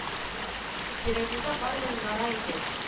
Йөрәгендә барыбер нора иде